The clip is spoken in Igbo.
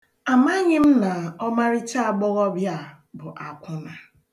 Amaghị m na ọmarịcha agbọghọbịa a bụ akwụna.